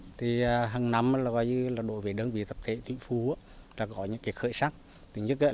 thì hằng năm là coi như là đối với đơn vị tập thể vĩnh phú là có những gì khởi sắc thứ nhất